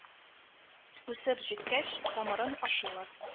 Үсеп җиткәч, тамырын ашыйлар